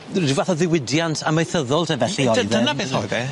Ryw fath o ddiwydiant amaethyddol de felly oedd e? ...dy- dyna beth oedd e.